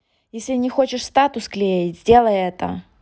если не хочешь статус клеить сделай это